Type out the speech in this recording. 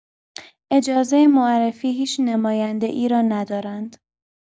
اجازه معرفی هیچ نماینده‌ای را ندارند؛